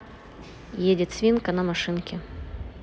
едет свинка на машинке